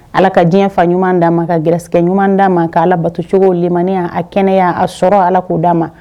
Ala ka diɲɛ fa ɲuman d'an ma ka gɛrɛsigɛ ɲuman d'an ma ka Ala batocogo limaniya a kɛnɛya a sɔrɔ Ala k'o d'an ma